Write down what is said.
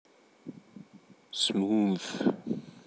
smooth